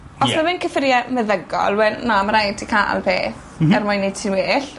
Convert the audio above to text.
os ma' fe'n cyffurie meddygol wel na ma' raid ti ca'l peth... M-hm. ... er mwyn neu' ti well.